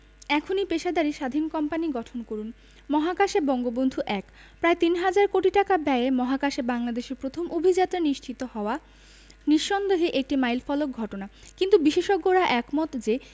এখনই পেশাদারি স্বাধীন কোম্পানি গঠন করুন মহাকাশে বঙ্গবন্ধু ১ প্রায় তিন হাজার কোটি টাকা ব্যয়ে মহাকাশে বাংলাদেশের প্রথম অভিযাত্রা নিশ্চিত হওয়া নিঃসন্দেহে একটি মাইলফলক ঘটনা কিন্তু বিশেষজ্ঞরা একমত যে